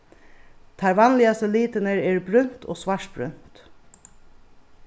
teir vanligastu litirnir eru brúnt og svartbrúnt